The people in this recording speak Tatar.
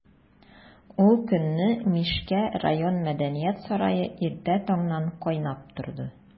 Ул көнне Мишкә район мәдәният сарае иртә таңнан кайнап торды.